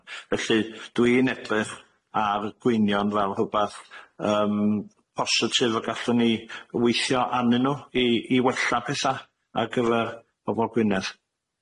Felly, dwi'n edrych ar gweinion fel rwbath yym positif y gallwn ni weithio arnyn nhw i i wella petha, ar gyfer pobol Gwynedd.